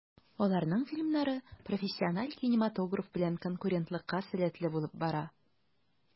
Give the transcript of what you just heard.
Аларның фильмнары профессиональ кинематограф белән конкурентлыкка сәләтле булып бара.